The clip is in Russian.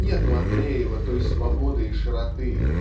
Нет у Андреева той свободы и широты